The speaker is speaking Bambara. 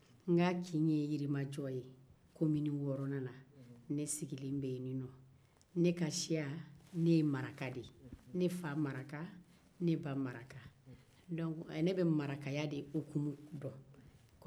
n ka kin ye yirimajɔ ye komini wɔɔrɔnan na ne sigilen bɛ yen nɔ fasiya ne ye maraka de ye ne fa maraka ne ba maraka donc ne bɛ marakaya de dɔn